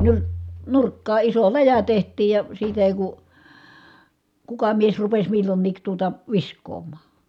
- nurkkaan iso läjä tehtiin ja siitä ei kun kuka mies rupesi milloinkin tuota viskaamaan